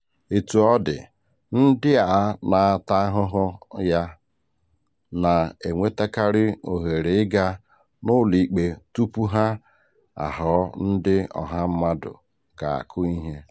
Etu ọ dị, ndị a na-ata ahụhụ ya na-enwetakarị ohere ịga n'ụlọikpe tupu ha aghọọ ndị ọha mmadụ ga-akụ ihe.